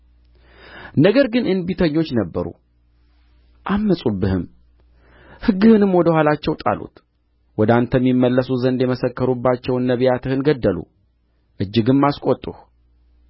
ነገር ግን እንቢተኞች ነበሩ ዐመፁብህም ሕግህንም ወደ ኋላቸው ጣሉት ወደ አንተም ይመለሱ ዘንድ የመሰከሩባቸውን ነቢያትህን ገደሉ እጅግም አስቈጡህ